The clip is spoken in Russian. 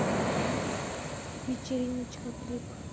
вечериночка клип